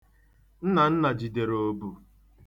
Nnanna jidere obu.